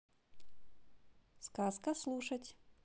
сказка слушать